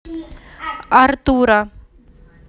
артура